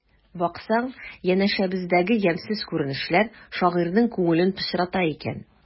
Баксаң, янәшәбездәге ямьсез күренешләр шагыйрьнең күңелен пычрата икән.